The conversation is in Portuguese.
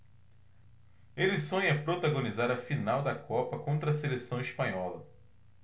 ele sonha protagonizar a final da copa contra a seleção espanhola